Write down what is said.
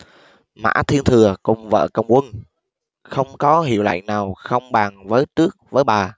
mã thiên thừa cùng vợ cầm quân không có hiệu lệnh nào không bàn với trước với bà